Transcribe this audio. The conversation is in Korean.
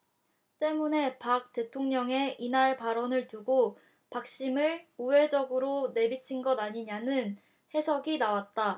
때문에 박 대통령의 이날 발언을 두고 박심 을 우회적으로 내비친 것 아니냐는 해석이 나왔다